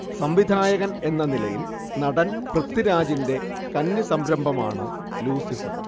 സംവിധായകൻ എന്ന നിലയിൽ നടൻ പൃഥ്വിരാജിന്റെ കന്നി സംരംഭമാണ് ലൂസിഫർ